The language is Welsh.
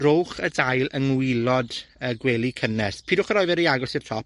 rowch y dail yng ngwaelod y gwely cynnes, pidwch a roi fe ry agos i'r top,